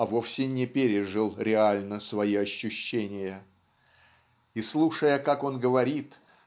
а вовсе не пережил реально свои ощущения. И слушая как он говорит